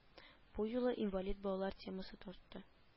Бу юлы инвалид балалар темасы тартты